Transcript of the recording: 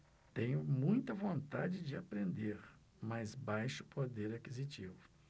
tenho muita vontade de aprender mas baixo poder aquisitivo